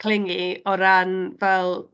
clingy o ran fel